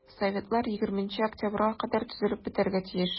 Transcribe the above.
Советлар 20 октябрьгә кадәр төзелеп бетәргә тиеш.